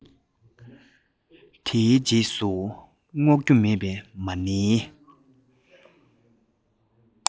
དེའི རྗེས སུ རྫོགས རྒྱུ མེད པའི མ ཎིའི